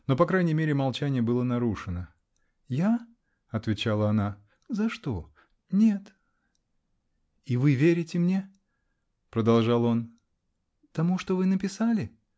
Но по крайней мере молчание было нарушено. -- Я? -- отвечала она. -- За что? Нет. -- И вы верите мне? -- продолжал он. -- Тому, что вы написали?